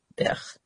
Dioch.